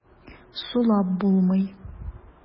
Сулап булмый.